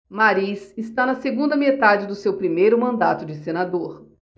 mariz está na segunda metade do seu primeiro mandato de senador